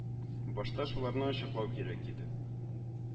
Башта шуларны ачыклау кирәк иде